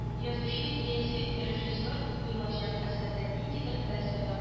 Язучы яисә режиссер куелачак әсәренә ниндидер фәлсәфә